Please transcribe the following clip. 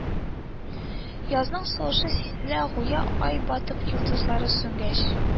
Язның сулышы сизелә, гүя ай батып, йолдызлар сүнгәч